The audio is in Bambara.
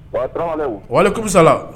Wa kusala